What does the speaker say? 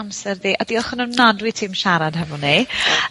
amser di. A diolch yn ofnadwy i ti am siarad hefo ni.